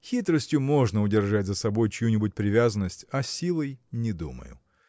Хитростью можно удержать за собой чью-нибудь привязанность а силой – не думаю.